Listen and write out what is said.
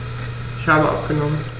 Ich habe abgenommen.